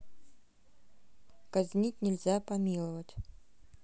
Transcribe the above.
казнить нельзя помиловать